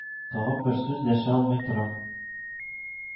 Тагын бер суз дәшә алмый торам